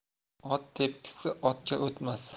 ot tepkisi otga o'tmas